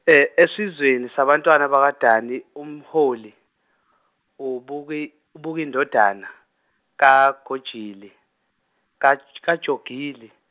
e- esizweni sabantwana bakwaDani umholi, uBuki -buki indodana, ka- kogili, kaj- ka- Jogili.